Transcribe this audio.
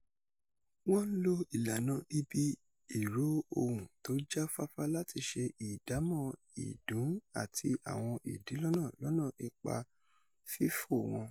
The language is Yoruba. Wọn ń lo ìlànà ibi -ìró ohùn tó já fáfá láti ṣe ìdámọ́ ìdun àti àwọn ìdílọ́nà lọ́nà ipa fìfò wọn